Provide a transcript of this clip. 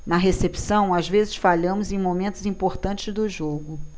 na recepção às vezes falhamos em momentos importantes do jogo